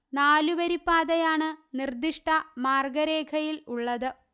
നാലു വരി പാതയാണ് നിര്ദിഷ്ട മാര്ഗരേഖയില് ഉള്ളത്